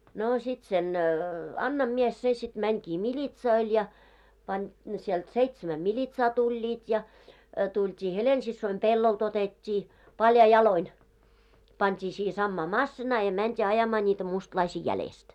no sitten sen Annan mies se sitten menikin militsoille ja pani sieltä seitsemän militsaa tulivat ja tultiin Helena-siskoni pellolta otettiin paljain jaloin pantiin siihen samaan masiinaan ja mentiin ajamaan niitä mustalaisia jäljestä